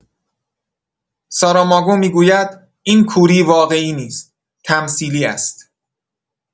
ساراماگو می‌گوید: این کوری واقعی نیست، تمثیلی است.